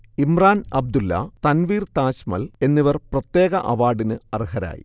ഇമ്രാൻ അബ്ദുല്ല, തൻവീർ താജ്മൽ എന്നിവർ പ്രത്യേക അവാർഡിന് അർഹരായി